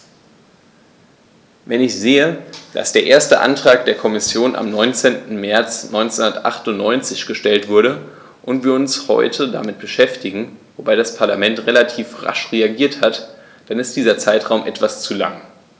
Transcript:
Wenn ich sehe, dass der erste Antrag der Kommission am 19. März 1998 gestellt wurde und wir uns heute damit beschäftigen - wobei das Parlament relativ rasch reagiert hat -, dann ist dieser Zeitraum etwas zu lang.